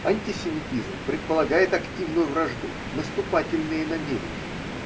Антисемитизм предполагает активную вражду, наступательные намерения.